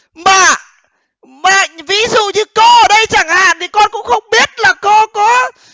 mà mà ví dụ như cô ở đây chẳng hạn thì con cũng không biết là cô có